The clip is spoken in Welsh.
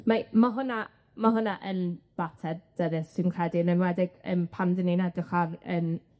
Mae ma' hwnna ma' hwnna yn fater ddyrys dwi'n credu, yn enwedig yym pan 'dyn ni'n edrych ar 'yn